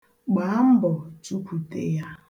Gbaa mbọ chụkwute ya